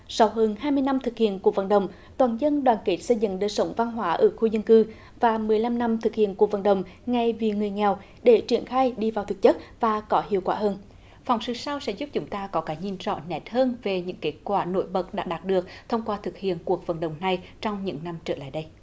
sau hơn hai mươi năm thực hiện cuộc vận động toàn dân đoàn kết xây dựng đời sống văn hóa ở khu dân cư và mười lăm năm thực hiện cuộc vận động ngày vì người nghèo để triển khai đi vào thực chất và có hiệu quả hơn phóng sự sau sẽ giúp chúng ta có cái nhìn rõ nét hơn về những kết quả nổi bật đã đạt được thông qua thực hiện cuộc vận động này trong những năm trở lại đây